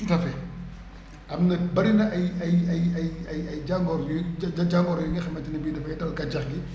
tout à fait am na bëri na ay ay ay ay ay ay jangor yuy ja jangoro yi nga xamante ne bii dafal dal gàncax gi